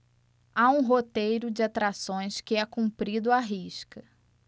há um roteiro de atrações que é cumprido à risca